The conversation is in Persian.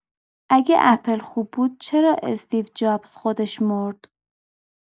اگه اپل خوب بود چرا استیو جابز خودش مرد؟